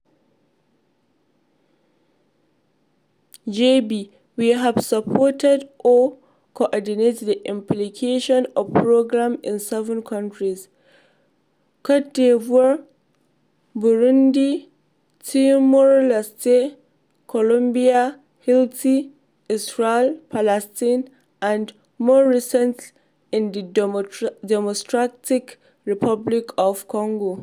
JB: We have supported or coordinated the implementation of programs in seven countries: Côte d'Ivoire, Burundi, Timor Leste, Colombia, Haïti, Israël-Palestine and, more recently, in the Democratic Republic of Congo.